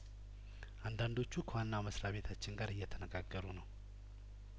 አንዳንዶቹ ከዋናው መስሪያ ቤታችን ጋር እየተነጋገሩ ነው